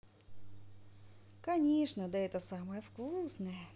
конечно да это самое вкусное